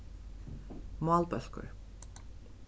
málbólkur